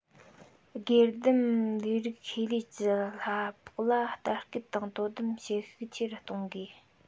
སྒེར སྡེམ ལས རིགས ཁེ ལས ཀྱི གླ ཕོགས ལ ལྟ སྐུལ དང དོ དམ བྱེད ཤུགས ཆེ རུ གཏོང དགོས